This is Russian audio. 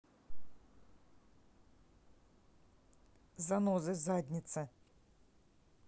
занозы задница